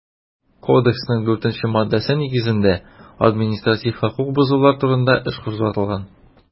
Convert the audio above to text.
Кодексның 4 нче маддәсе нигезендә административ хокук бозулар турында эш кузгатылган.